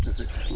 kese